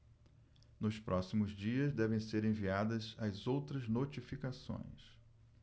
nos próximos dias devem ser enviadas as outras notificações